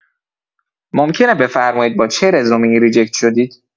ممکنه بفرمایید با چه رزومه‌ای ریجکت شدید؟